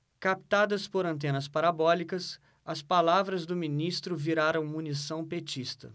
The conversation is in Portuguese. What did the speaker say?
captadas por antenas parabólicas as palavras do ministro viraram munição petista